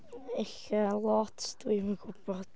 Ella lot, dwi'm yn gwybod.